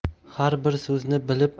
har bir so'zni bilib